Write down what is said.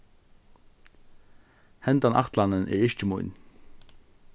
hendan ætlanin er ikki mín